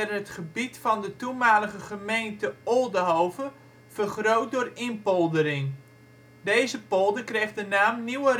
het gebied van de toenmalige gemeente Oldehove vergroot door inpoldering. Deze polder kreeg de naam Nieuwe